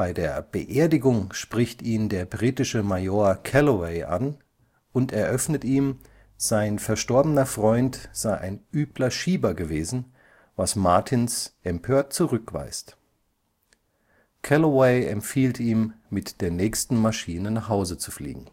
der Beerdigung spricht ihn der britische Major Calloway an und eröffnet ihm, sein verstorbener Freund sei ein übler Schieber gewesen, was Martins empört zurückweist. Calloway empfiehlt ihm, mit der nächsten Maschine nach Hause zu fliegen